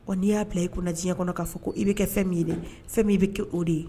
N'i y' bila i ko na diɲɛ kɔnɔ k'a fɔ ko i bɛ kɛ fɛn min ye dɛ fɛn min i bɛ kɛ o de ye